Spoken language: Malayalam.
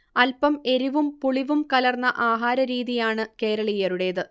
അല്പം എരിവും പുളിവും കലർന്ന ആഹാരരീതിയാണ് കേരളീയരുടേത്